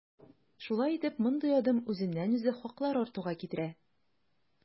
Шулай итеп, мондый адым үзеннән-үзе хаклар артуга китерә.